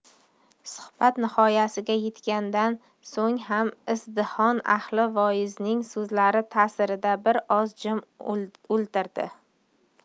suhbat nihoyasiga yetgandan so'ng ham izdihom ahli voizning so'zlari ta'sirida bir oz jim o'ltirdi